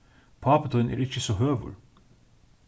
pápi tín er ikki so høgur